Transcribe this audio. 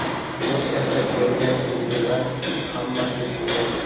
bo'sh tashlab qo'yilgan tizginlar xammasi shu yerda